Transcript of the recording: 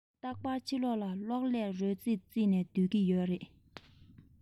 རྟག པར ཕྱི ལོག ལ གློག ཀླད རོལ རྩེད རྩེད ནས སྡོད ཀྱི ཡོད རེད